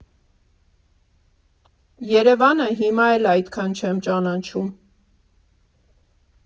Երևանը հիմա էլ այդքան չեմ ճանաչում։